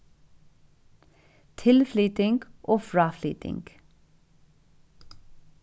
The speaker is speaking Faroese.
tilflyting og fráflyting